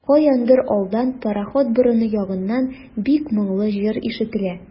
Каяндыр алдан, пароход борыны ягыннан, бик моңлы җыр ишетелә.